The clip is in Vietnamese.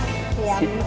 dạ